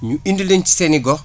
énu indi leen seen i gox